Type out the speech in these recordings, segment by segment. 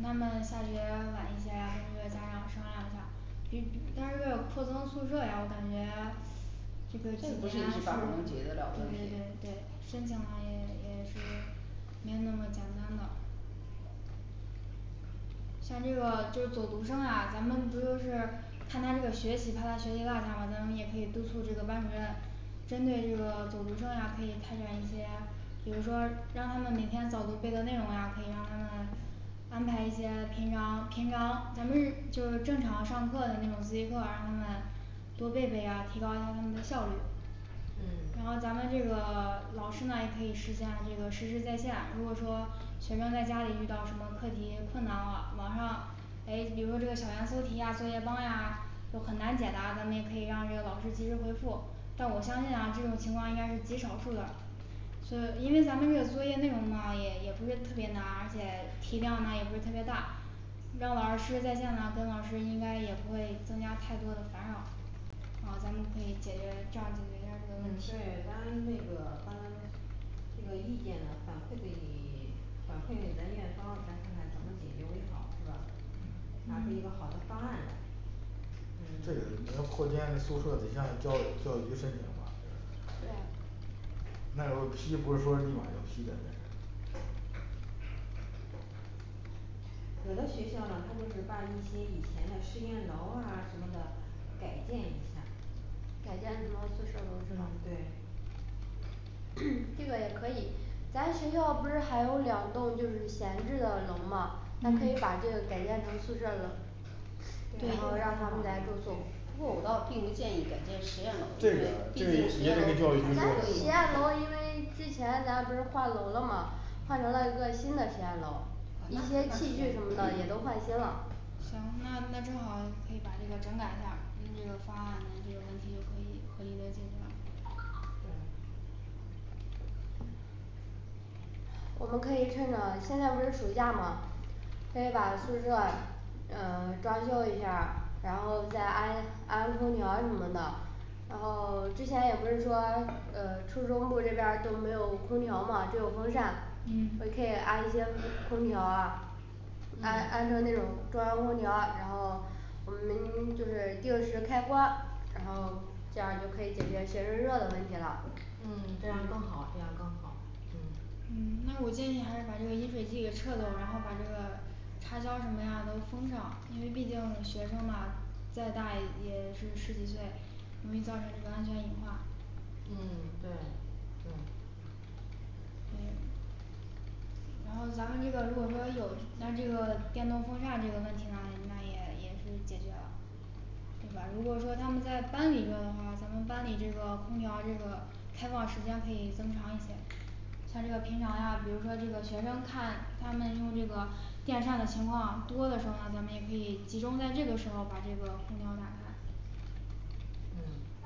他们下学晚一些，然后跟这个家长商量一下比比，但是这个扩增宿舍呀，我感觉这这个个几年啊是不，是就一时半会儿能解决的是了问题对对申请了也也是没有那么简单的。像这个就是走读生啊，咱们不都是看他这个学习，怕他学习落下了，咱们也可以督促这个班主任针对这个走读生呀可以开展一些比如说让他们每天早读背的内容呀，可以让他们安排一些平常平常咱们日就是正常上课的那种自习课，让他们多背背呀，提高一下他们的效率。然嗯后咱们这个 老师呢也可以试一下，这个实时在线儿，如果说学生在家里遇到什么课题困难了，网上诶比如说这个小猿搜题呀作业帮呀就很难解答，咱们也可以让这个老师及时回复，但我相信啊这种情况应该是极少数的是因为咱们这个作业内容呢也也不是特别难，而且题量呢也不是特别大让老师在线呢跟老师应该也不会增加太多的烦扰啊咱们可以解决这样解决一下儿这个嗯问对，题咱那个到时候这个意见呢反馈给你 反馈咱院方来看看怎么解决为好是吧？拿出嗯一个嗯好的方案来这个嗯你要扩建宿舍得向教教育局申请吧对那楼批不是说立马就批的。有的学校呢它就是把那些以前的实验楼啊什么的改建一下改建成了宿舍楼是吗嗯对 这个也可以。咱学校不是还有两栋就是闲置的楼吗，咱可以把这个嗯改建成宿舍楼然后让他对们来住宿不过我倒并不建议改建实验楼，因这个为毕这个竟实也验楼得跟教育局说声咱实验儿楼因吧为之前咱不是换楼了吗？换成了一个新的实验楼啊，一那行些器具什么的也都换新了行，那那正好可以把这个整改一下儿嗯这个方案那这个问题就可以合理的解决了。对。我们可以趁着现在不是暑假吗，可以把宿舍嗯装修一下儿，然后再安安空调什么的。然后 之前你不是说嗯初中部这边儿都没有空调吗，只有风扇可以嗯安一些空 空调安安嗯成那种中央空调，然后我们就是定时开关然后这样就可以解决学生热的问题了。嗯这样更好这样更好嗯嗯那我建议还是把这个饮水机给撤了，然后把这个插销什么呀都封上，因为毕竟学生嘛再大也是十几岁，容易造成这个安全隐患嗯对对嗯然后咱们这个如果说有，但这个电动风扇这个问题呢你们那儿也也是解决了，对吧？如果说他们在班里热的话，咱们班里这个空调，这个开放时间可以增长一些。像这个平常呀比如说这个学生看他们用这个电扇的情况多的时候，咱们也可以集中在这个时候把这个空调打开。嗯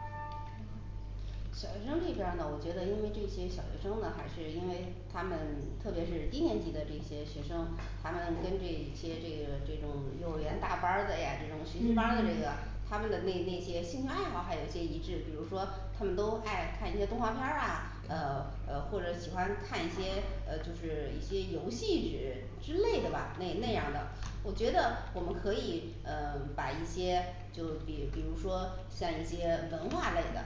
行小学生这边儿呢我觉得因为这些小学生呢还是因为他们特别是低年级的这些学生，他们跟这一些这这种幼儿园大班儿的呀嗯这种学习班儿的这个嗯他们的那那些兴趣爱好还有些一致，比如说他们都爱看一些动画片儿啊呃嗯 呃或者喜欢看一些呃就是一些游戏之之类的吧那那样的嗯。我觉得我们可以嗯 把一些就比比如说像一些文化类的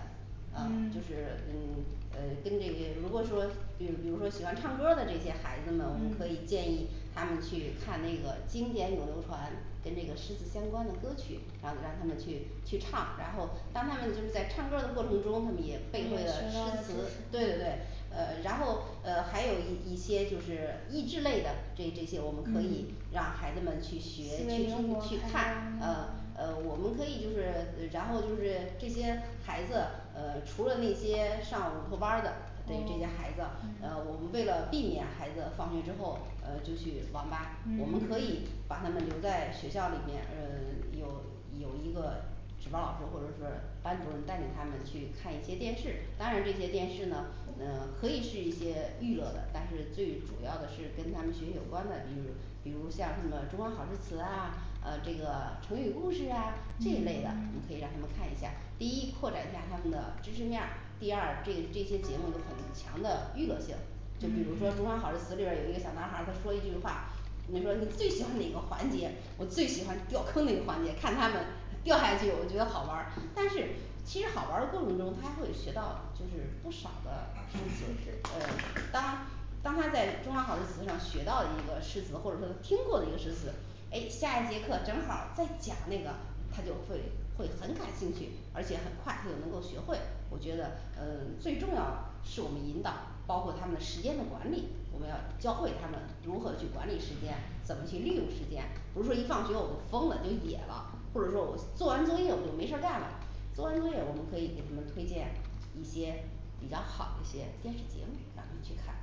啊嗯就是嗯呃跟这些如果说比比如说喜欢唱歌儿的这些孩子们，我们可以嗯建议他们去看那个经典咏流传跟这个诗词相关的歌曲然后让他们去去唱，然后当他们就是在唱歌儿的过程中，也背会了诗词，对对对呃然后呃还有一一些就是益智类的这这些，我们可以嗯让孩子们去学去听去看，呃呃我们可以就是然后就是这些孩子呃除了那些上午托班儿的对这些哦孩子，呃我嗯们为了避免孩子放学之后呃就去网吧，我嗯们可嗯以嗯把他们留在学校里面，呃 有有一个值班儿老师或者是班主任带领他们去看一些电视，当然这些电视呢嗯可以是一些娱乐的，但是最主要的是跟他们学习有关的，比如比如像什么中国好诗词啊啊这个成语故事啊嗯嗯这一类的，我们嗯可以让他们看一下。第一扩展一下他们的知识面儿，第二这这些节目很强的娱乐性。就比嗯如说中嗯华好诗词里边儿有一个小男孩儿，他说一句话你说你最喜欢哪个环节，我最喜欢掉坑那个环节，看他们掉下去了，我觉得好玩儿，但是其实好玩儿的过程中，他会学到就是不少的知识呃，当当他在中华好诗词上学到一个诗词或者说听过的一个诗词诶下一节课正好儿在讲那个，他就会会很感兴趣而且很快就能够学会，我觉得呃最重要是我们引导，包括他们的时间的管理我们要教会他们如何去管理时间，怎么去利用时间，不是说一放学我们疯了就野了或者说我做完作业我就没事儿干了，做完作业我们可以给他们推荐一些比较好的一些电视节目让他们去看。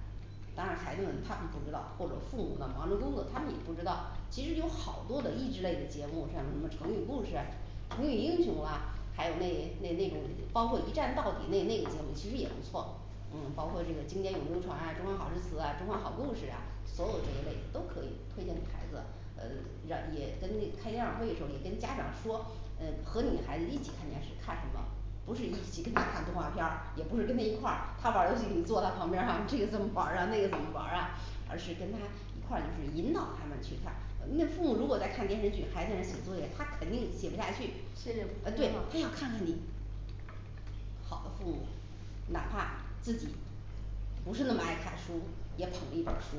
当然孩子们他们不知道或者父母呢忙着工作，他们也不知道，其实有好多的益智类的节目，像什么成语故事成语英雄啦，还有那那那种包括一站到底那那个节目其实也不错嗯包括这个经典咏流传啊中华好诗词啊，中华好故事啊，所有这一类都可以推荐给孩子嗯让也跟那开家长会的时候也跟家长说，嗯和女孩子一起看电视看什么不是一起跟他看动画片儿，也不是跟他一块儿，他玩儿游戏你坐他旁边儿哈这个怎么玩儿啊，那个怎么玩儿啊 而是跟他一块儿就是引导他们去看，那父母如果在看电视剧孩子在那儿写作业，他肯定写不下去。心里不啊舒对，他要服看看你。好的父母哪怕自己不是那么爱看书，也捧一本儿书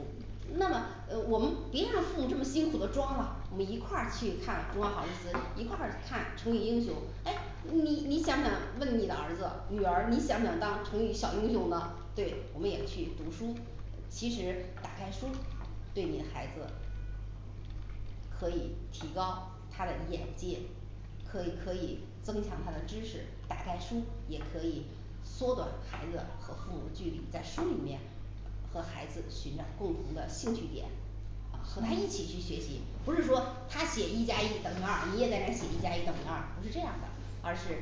那么呃我们别让父母这么辛苦地装了，我们一块儿去看中华好诗词，一块儿看成语英雄哎你你想不想问你的儿子，女儿你想不想当成语小英雄呢，对我们也去读书。其实打开书对你的孩子可以提高他的眼界可以可以增强他的知识，打开书也可以缩短孩子和父母距离，在书里面和孩子寻找共同的兴趣点啊和他一起去嗯学习，不是说他写一加一等于二，你也在这儿写一加一等于二，不是这样的。而是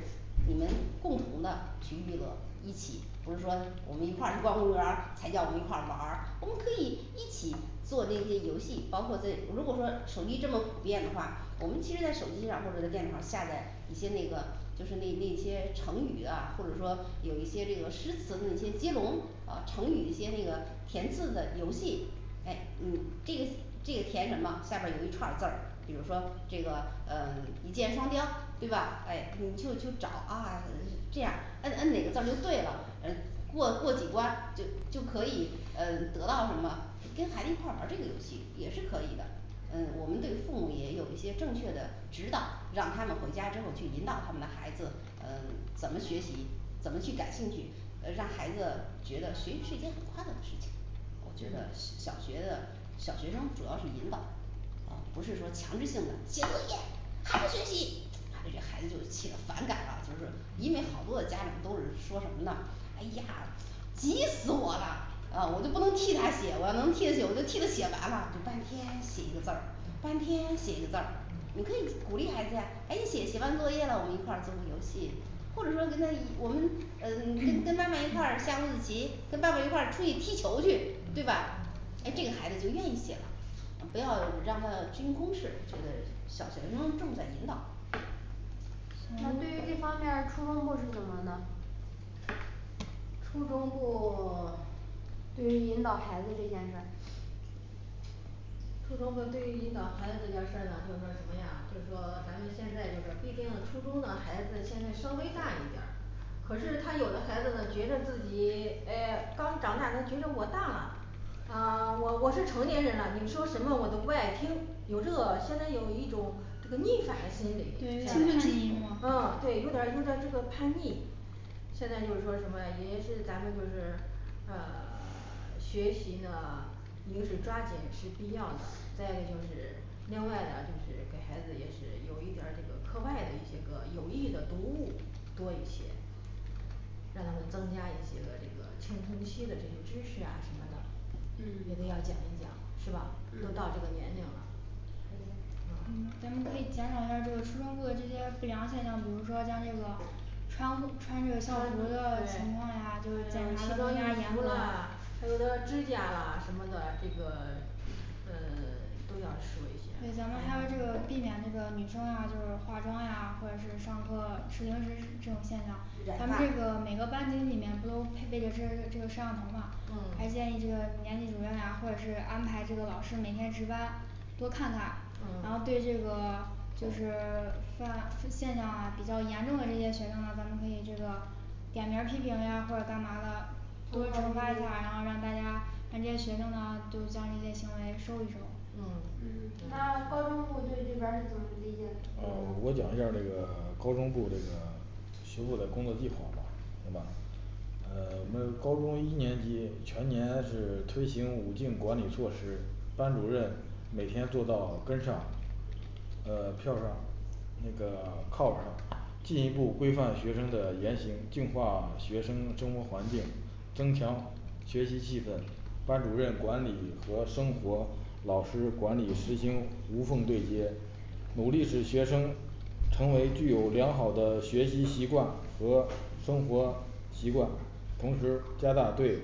你们共同的去娱乐一起不是说我们一块儿去逛公园儿才叫我们一块儿玩儿，我们可以一起做那些游戏，包括在如果说手机这么普遍的话，我们其实在手机上或者在电脑儿下载一些那个就是那那些成语啊，或者说有一些这个诗词那些接龙，啊成语一些那个填字的游戏哎你这个这个填什么？下边儿有一串儿字儿比如这个嗯一箭双雕，对吧？哎你就就找啊这样摁摁哪个字儿就对了嗯过过几关就就可以嗯得到什么？跟孩子一块儿玩儿这个游戏也是可以的。嗯我们对父母也有一些正确的指导，让他们回家之后去引导他们的孩子嗯怎么学习怎么去感兴趣，呃让孩子觉得学习是一件很快乐的事情。我觉得小学的小学生主要是引导啊不是说强制性的写作业，还不学习，啊这样孩子就起了反感了，是不是？因为好多的家长都是说什么呢？诶呀急死我了啊我就不能替他写，我要能替他写我就替他写完了。半天写一个字儿，半嗯天写一个字儿，你可以嗯鼓励孩子呀诶写写完作业了，我们一块儿做个游戏，或者说嗯跟他我们嗯跟跟他们一块儿下五子棋，跟爸爸一块儿出去踢球儿去，对吧？ 诶这嗯嗯个孩子就愿意写了啊不要让他支应公事我觉得小学生重在引导。那对于这方面儿初中部是怎么呢？初中部 对于引导孩子这件事初中部对于引导孩子这件儿事儿呢就是说什么呀？就是说咱们现在就是毕竟初中的孩子现在稍微大一点儿可是他有的孩子觉得自己 哎刚长大，他觉得我大了啊 我我是成年人了，你们说什么我都不爱听。有这现在有一种这个逆反的心对有点儿叛逆是理吗啊对有点儿有点儿这个叛逆现在就是说什么啊也是咱们就是啊 学习呢一个是抓紧是必要的，再一个就是另外的就是给孩子也是有一点儿这个课外的一些个有益的读物多一些让他们增加一些这个青春期的这些知识啊什么的，一定嗯要讲一讲是吧？都到这嗯个年龄了嗯咱们嗯啊可以减少一下儿这个初中部的这些不良现象，比如说像这个穿穿这个校服的情况对，呀，就还是检有查奇的装更加异严格服啦还有的指甲啦什么的这个嗯 都要说一下，对咱们还要这个避免这个女生嘛就是化妆呀或者是上课吃零食这种现象染咱们这个每发，个班级里面不都配备着这这个摄像头嘛，还建议这嗯个年级主任呀或者是安排这个老师每天值班多看看，然后对这嗯个 就是 发现象啊比较严重的这些学生啊，咱们可以这个点名儿批评呀或者干嘛的。多惩罚一嗯下，然后让大家让这些学生呢就将这些行为收一收嗯嗯那高中部对这边儿是怎么理嗯解？我讲一下儿。这个 高中部这个 的工作计划吧，行吧？嗯我们高中一年级全年是推行五境管理措施，班主任每天做到跟上呃票上那个 靠上进一步规范学生的言行，净化学生生活环境增强学习气氛，班主任管理和生活老师管理实行无缝对接努力使学生成为具有良好的学习习惯和生活习惯同时加大对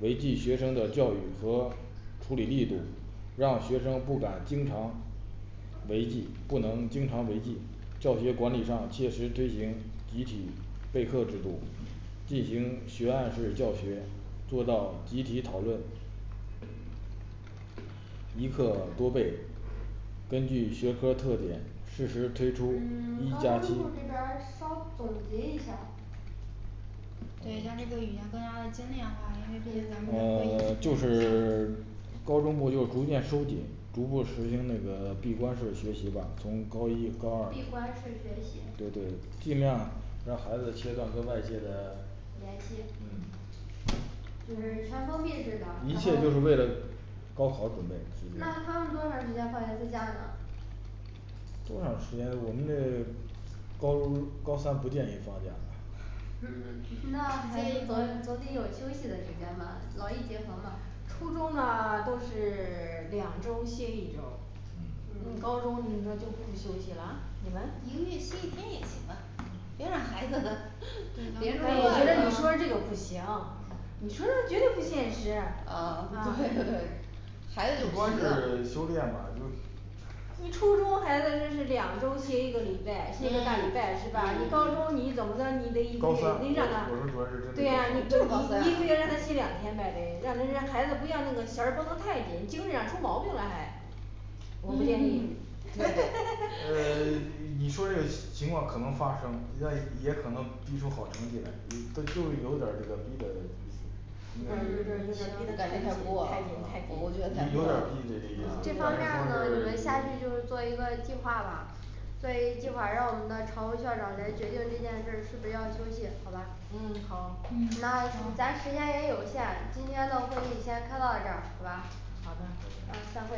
违纪学生的教育和处理力度让学生不敢经常违纪，不能经常违纪教学管理上切实执行集体备课制度进行学案式教学，做到集体讨论一课多备。根据学科特点，适时推出一嗯 加高七中部这边儿稍总结一下儿。对，让这个语言更加的精炼化，因为毕竟咱们呃 就是 高中部就逐渐收紧，逐步实行那个闭关式学习吧，从高一高二，闭关式学习对对尽量让孩子切断跟外界的，联系嗯就是全封闭式的一然后切，就是为了高考准备，实际上那他们多长时间放一次假呢？多长时间我们这 高中高三不建议放假那还总总得有休息的时间吧，劳逸结合嘛初中呢 都是 两周儿歇一周儿你嗯高中嗯你说就不休息了，你们一个月歇一天也行啊，别让孩子， 我觉得你说这个不行，你说的绝对不现实，啊对对对啊就孩子只要说是休，就是你初中孩子这是两周歇一个礼拜歇一个嗯大礼拜嗯是吧？你嗯高中嗯你怎么的，你得一天高也三，我得让说我说他，主对要呀你是针你就是对高高三三啊你一个月让他歇两天呗得，让让让孩子不要那个弦儿绷得太紧，精神上出毛病了还。我不建议呃 你说这个情况可能发生，那也可能逼出好成绩来，有它就是有点儿这个逼得意思有点儿有点儿有点儿逼得感太紧觉太紧太太过了，我我觉有有点儿逼他的这个意思，但是得太紧，过了。这方面儿呢你说们下去就是是 做一个计划吧做一个计划，让我们的常务校长来决定这件事儿是不是要休息，好吧？嗯好嗯那咱时间好也有限，今天的会议先开到这儿。好吧好的嗯散会